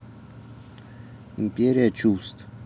империя чувств